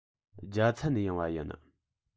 རྒྱ ཚ ནས ཡོང བ ཡིན